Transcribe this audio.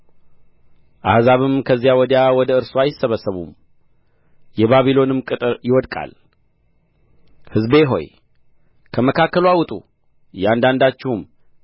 አሕዛብም ከዚያ ወዲያ ወደ እርሱ አይሰበሰቡም የባቢሎንም ቅጥር ይወድቃል ሕዝቤ ሆይ ከመካከልዋ ውጡ እያንዳንዳችሁም